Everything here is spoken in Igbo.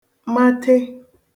mate